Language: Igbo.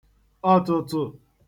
ọ̀tụ̀tụ̀